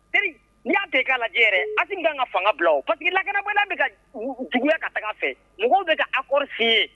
Teri n y'a bɛn k'a la e yɛrɛ a kan ka fanga bila paseke lagɛrɛɔn bɛ ka juguya ka taga fɛ mɔgɔw de ka ak si ye